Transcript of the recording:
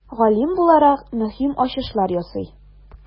Галим буларак, мөһим ачышлар ясый.